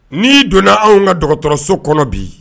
Ni donna anw ka dɔgɔtɔrɔso kɔnɔ bi